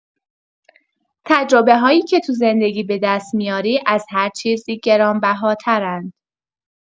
تجربه‌هایی که تو زندگی به دست میاری، از هر چیزی گرانبهاترند.